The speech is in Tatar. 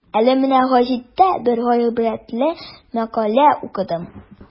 Әле менә гәзиттә бер гыйбрәтле мәкалә укыдым.